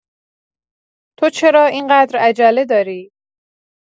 تو چرا این‌قدر عجله داری؟